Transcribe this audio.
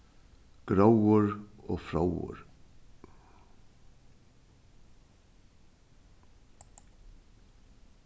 gróður og fróður